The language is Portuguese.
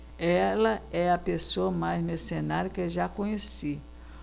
ela é a pessoa mais mercenária que já conheci